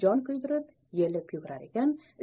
jon kuydirib yelib yugurar ekan